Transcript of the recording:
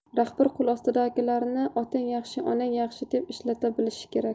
rahbar qo'l ostidagilarni otang yaxshi onang yaxshi deb ishlata bilishi kerak